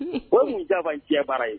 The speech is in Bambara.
O mun jafa cɛ bara ye